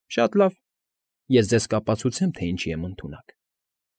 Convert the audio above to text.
Շատ լավ, ես ձեզ կապացուցեմ, թե ինչի եմ ընդունակ։